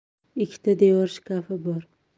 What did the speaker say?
ikkita devor shkafi bor